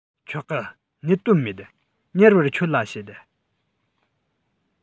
ཆོག གི གནད དོན མེད མྱུར བར ཁྱོད ལ བཤད